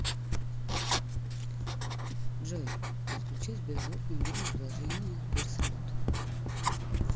джой подключи сберзвук в мобильном приложении сбер салют